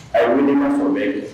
Ayiwa wele ma mun bɛ